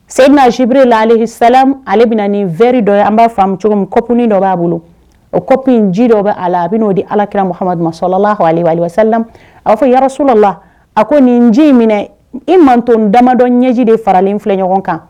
Se na sibrila ale bɛna ninri dɔ an b'a faamu cogo min kopuni dɔ b'a bolo o cop ji dɔ bɛ a la a bɛ n'o di alakira mamadu sala a' fɔ yaso dɔ la a ko nin ji in minɛ i manto damadɔ ɲɛji de faralen filɛ ɲɔgɔn kan